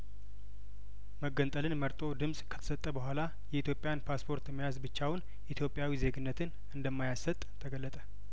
መገንጠልን መርጦ ድምጽ ከተሰጠ በኋላ የኢትዮጵያን ፓስፖርት መያዝ ብቻውን ኢትዮጵያዊ ዜግነትን እንደማያሰጥ ተገለጠ